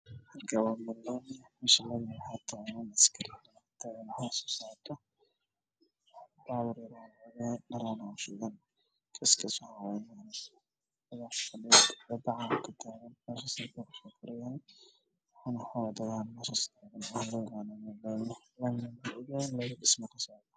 Waa wada dheer waxaa maraayo bajajyo